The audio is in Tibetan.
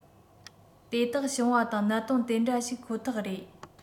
དེ དག བྱུང བ དང གནད དོན དེ འདྲ ཞིག ཁོ ཐག རེད